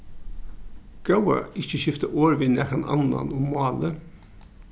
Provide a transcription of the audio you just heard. góða ikki skifta orð við nakran annan um málið